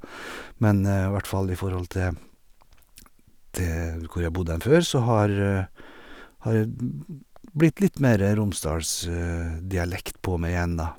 Men hvert fall i forhold til til hvor jeg bodde hen før, så har har det bm bm blitt litt mere Romsdalsdialekt på meg igjen, da.